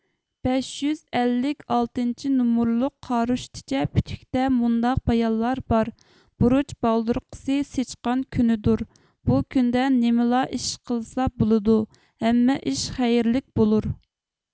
بەش يۈز ئەللىك ئالتىنچى نومۇرلۇق قارۇشتىچە پۈتۈكتە مۇنداق بايانلار بار بۇرۇچ بالدۇرقىسى سىچقان كۈنىدۇر بۇ كۈندە نېمىلا ئىش قىلسا بولىدۇ ھەممە ئىش خەيرلىك بولۇر